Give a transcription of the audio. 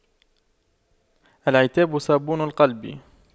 العتاب صابون القلب